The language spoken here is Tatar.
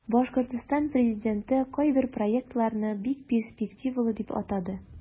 Башкортстан президенты кайбер проектларны бик перспективалы дип атады.